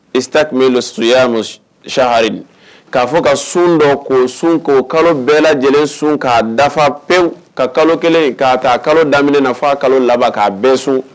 Ita tun bɛ yen suya sari k'a fɔ ka sun dɔ ko sun ko kalo bɛɛ lajɛlen sun k'a dafa pewu ka kalo kelen kaa kalo daminɛ na fɔ a kalo laban k'a bɛn sun